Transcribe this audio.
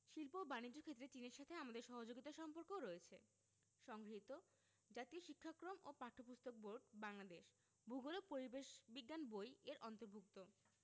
শিল্প ও বানিজ্য ক্ষেত্রে চীনের সাথে আমাদের সহযোগিতার সম্পর্কও রয়েছে সংগৃহীত জাতীয় শিক্ষাক্রম ও পাঠ্যপুস্তক বোর্ড বাংলাদেশ ভূগোল ও পরিবেশ বিজ্ঞান বই এর অন্তর্ভুক্ত